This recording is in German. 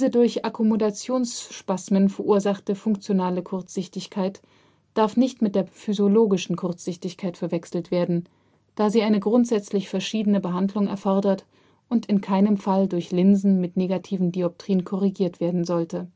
durch Akkommodationsspasmen verursachte funktionale Kurzsichtigkeit darf nicht mit der physiologischen Kurzsichtigkeit verwechselt werden, da sie eine grundsätzlich verschiedene Behandlung erfordert und in keinem Fall durch Linsen mit negativen Dioptrien korrigiert werden sollte